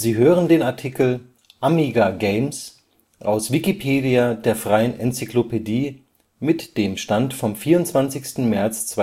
hören den Artikel Amiga Games, aus Wikipedia, der freien Enzyklopädie. Mit dem Stand vom Der